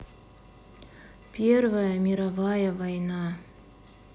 первая мировая война